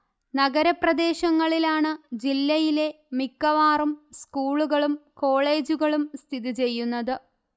നഗരപ്രദേശങ്ങളിലാണ് ജില്ലയിലെ മിക്കവാറും സ്കൂളുകളും കോളേജുകളും സ്ഥിതി ചെയ്യുന്നത്